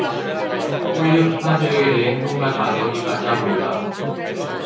오히려 비판세력에 대해 행동으로 맞서기까지 하고 있다